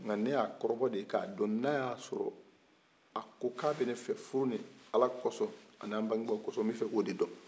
nka ne y'a kɔrɔbɔ de k'a dɔn n'a y'a sɔrɔ a ko k'a bene fɛ furu ni ala kosɔn ani an bange baw kosɔn ne b'a fɛ k'o dɔn